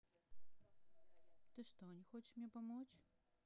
ты что не хочешь мне помочь